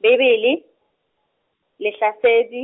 Bebele, Lehlasedi,